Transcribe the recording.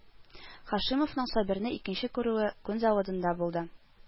Һашимовның Сабирны икенче күрүе күн заводында булды